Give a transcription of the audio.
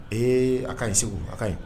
Ee a ka ɲi Seku. A ka ɲi.